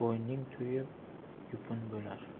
boyning to'yi yupun bo'lar